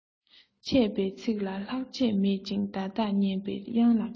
འཆད པའི ཚིག ལ ལྷག ཆད མེད ཅིང བརྡ དག སྙན པའི དབྱངས ལ འདྲེས